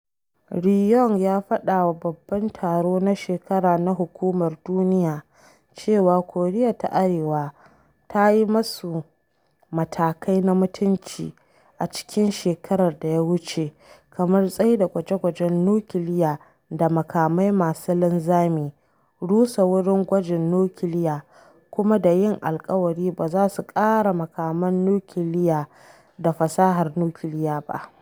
Ri Yong ya faɗa wa Babban Taro na shekara na na hukumar duniya cewa Koriya ta Arewa ta yi “masu matakai na mutunci” a cikin shekarar ta da wuce, kamar tsaida gwaje-gwajen nukiliya da makamai masu linzami, rusa wurin gwajin nukiliya, kuma da yin alkawari ba za ta ƙara makaman nukiliya da fasahar nukiliya ba.